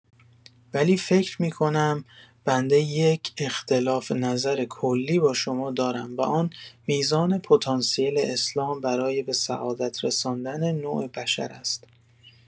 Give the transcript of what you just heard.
ولی فکر می‌کنم بنده یک اختلاف‌نظر کلی با شما دارم و آن میزان پتانسیل اسلام برای به سعادت رساندن نوع بشر است.